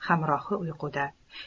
hamrohi uyquda